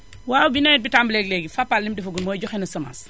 waaw bi nawet bi tàmbalee ak léegi Fapal li mu defagum mooy joxe na semence